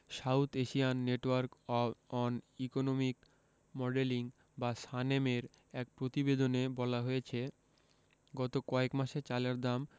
south Asian Network on Economic Modelling বা সানেমের এক প্রতিবেদনে বলা হয়েছে গত কয়েক মাসে চালের দাম